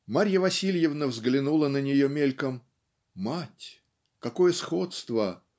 и Марья Васильевна взглянула на нее мельком мать! Какое сходство!